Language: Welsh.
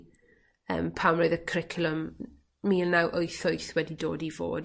yym pan roedd y cwricwlwm mil naw wyth wyth wedi dod i fod.